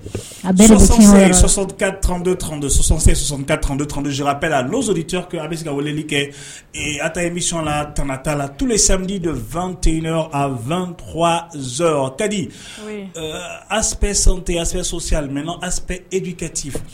A sɔ sɔsɔkado sɔsɔ sɔdoro zkapla dec a bɛ se kali kɛ a ta mi tan ttaa la tulu ye sadi dɔ2tey a vwazo tadi aspte ap sɔsime asp epi kɛ t' fɛ